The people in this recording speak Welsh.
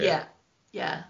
Ie ie.